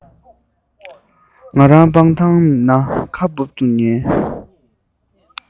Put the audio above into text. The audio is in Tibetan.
ང རང སྤང ཐང ན ཁ སྦུབ ཏུ ཉལ